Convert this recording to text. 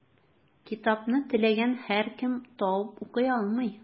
Китапны теләгән һәркем табып укый алмый.